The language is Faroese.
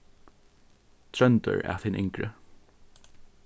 tróndur æt hin yngri